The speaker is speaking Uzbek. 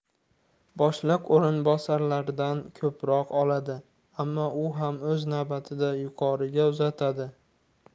boshliq o'rinbosaridan ko'proq oladi ammo u ham o'z navbatida yuqoriga uzatadi